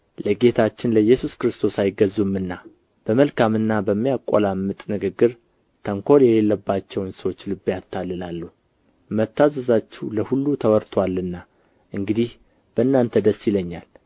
ለጌታችን ለኢየሱስ ክርስቶስ አይገዙምና በመልካምና በሚያቆላምጥ ንግግርም ተንኮል የሌለባቸውን ሰዎች ልብ ያታልላሉ መታዘዛችሁ ለሁሉ ተወርቶአልና እንግዲህ በእናንተ ደስ ይለኛል